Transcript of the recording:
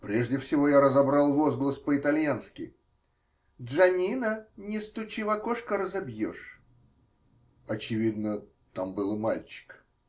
Прежде всего я разобрал возглас по-итальянски: -- Джаннино, не стучи в окошко, разобьешь! Очевидно, там был и мальчик.